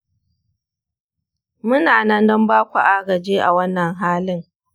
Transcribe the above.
muna nan don baku agaji a wannan halin.